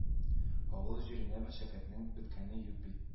Авыл җирендә мәшәкатьнең беткәне юк бит